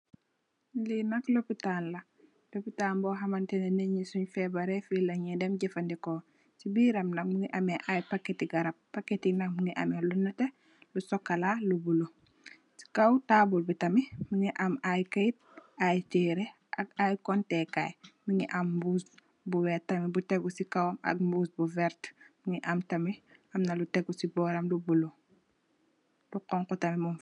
Li nak lopitan la lopitan bohamanteh neh neng nyi sunj febareh fi lenj nyo dem jefandeko sey birram nak Mungi ameh i packetti garab packetti nak Mungi am lu neteh lu sokola lu blue sey kaw table tamit Mungi am I keit i tereh ak i conteh kai Mungi am mbuss bu weih tamit bu tegu sey kawaw ak mbuss bu werteh Mungi am tamit amna lu tegu sey boram lu blue .lu hunhu tamit mungfa.